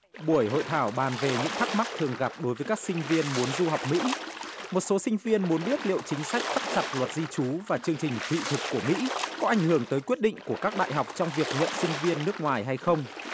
buổi hội thảo bàn về những thắc mắc thường gặp đối với các sinh viên muốn du học mỹ một số sinh viên muốn biết liệu chính sách thắt chặt luật di trú và chương trình thị thực của mỹ có ảnh hưởng tới quyết định của các đại học trong việc nhận sinh viên nước ngoài hay không